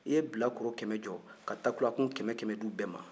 i ye bilakoro kɛmɛ jɔ ka takula kun kɛmɛ-kɛmɛ di u bɛɛ ma